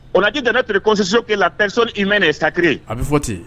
O laji danur kɔsi kelen la presisoli in mɛne sakiri a bɛ fɔ ten yen